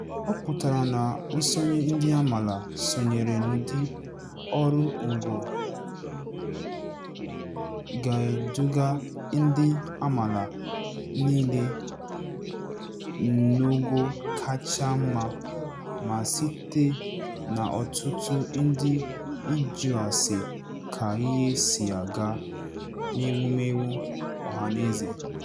Ọ pụtara na nsonye ndị amaala sonyere n'ụdị ọrụ ngo ga-eduga ndị amaala niile n'ogo kacha mma ma site na ọtụtụ ndị ịjụ ase ka ihe si aga n'ewumewu ọhanaeze.